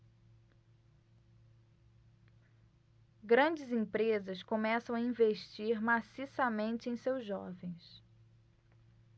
grandes empresas começam a investir maciçamente em seus jovens